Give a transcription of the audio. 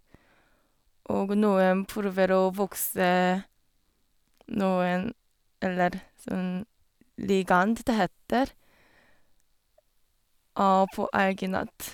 Og noen prøver å vokse noen eller sånn ligant, det heter, på alginat.